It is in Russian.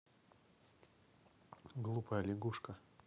глупая лягушка